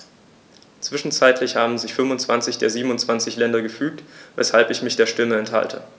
Zwischenzeitlich haben sich 25 der 27 Länder gefügt, weshalb ich mich der Stimme enthalte.